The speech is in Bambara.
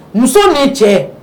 Muso'i cɛ